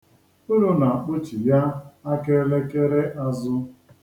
Unu na-akpụchigha aka elekere azụ.